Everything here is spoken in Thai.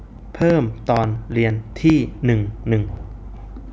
เพิ่มตอนเรียนที่หนึ่งหนึ่ง